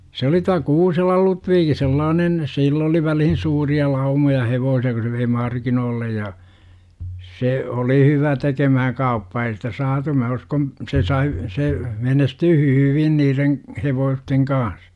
se oli tuo Kuuselan Ludvig sellainen sillä oli väliin suuria laumoja hevosia kun se vei markkinoille ja se oli hyvä tekemään kauppaa ei sitä saatu minä uskon se sai se menestyy hyvin niiden hevosten kanssa